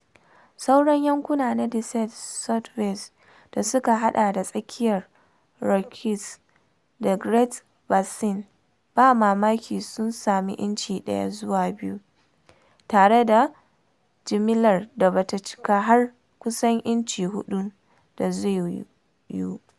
Sauran yankunan na Desert Southwest da suka hada da tsakiyar Rockies da Great Basin ba mamaki su sami incina 1 zuwa 2 tare da jimillar da ba ta ciki har kusan incina 4 da zai yiwu.